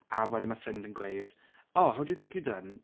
A wedyn mae ffrind yn gweud "oh how do you think you've done?"